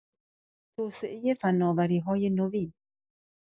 توسعۀ فناوری‌های نوین